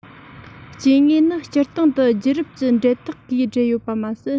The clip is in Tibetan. སྐྱེ དངོས ནི སྤྱིར བཏང དུ རྒྱུད རབས ཀྱི འབྲེལ ཐག གིས སྦྲེལ ཡོད པ མ ཟད